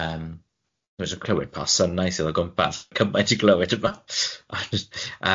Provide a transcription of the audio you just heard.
Yym, fi jyst yn clywed pa synau sydd o gwmpas, cymaint i glywed ti 'bo.